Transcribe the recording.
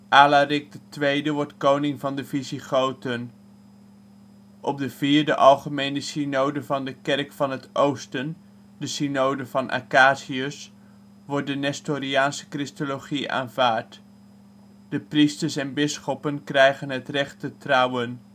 Alarik II wordt koning van de Visigoten. Op de vierde Algemene Synode van de Kerk van het Oosten (Synode van Acacius) wordt de Nestoriaanse Christologie aanvaard. De priesters en bisschoppen krijgen het recht te trouwen